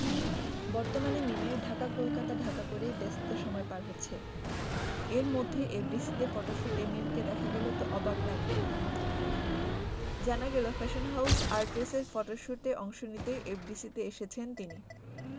বর্তমানে মিমের ঢাকা কলকাতা ঢাকা করেই ব্যস্ত সময় পার হচ্ছে এরমধ্যে এফডিসিতে ফটোশুটে মিমকে দেখা গেল তো অবাক লাগবেই জানা গেল ফ্যাশন হাউজ আর্টরেসের ফটশুটে অংশ নিতেই এফডিসিতে এসেছেন তিনি